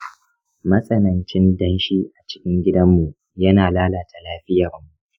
matsanancin danshi a cikin gidanmu yana lalata lafiyarmu.